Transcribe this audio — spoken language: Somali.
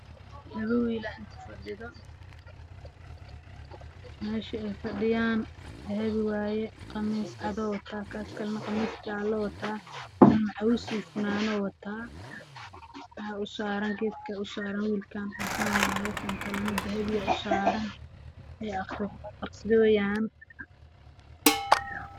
Wiilal meel fadhiyo waxey aqrisanayan kitaab